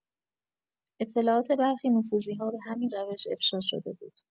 اطلاعات برخی نفوذی‌ها به همین روش افشا شده بود.